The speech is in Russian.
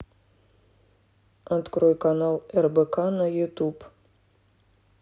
открой канал рбк на ютюб